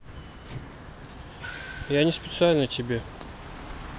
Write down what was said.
я не специально тебе